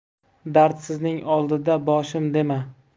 dardsizning oldida boshim dema